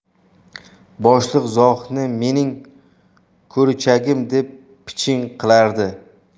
boshliq zohidni mening ko'richagim deb piching qilardi